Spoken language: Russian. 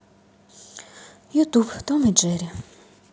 ютуб том и джери